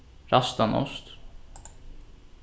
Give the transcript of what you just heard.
ræstan ost